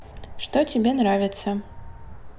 что тебе нравится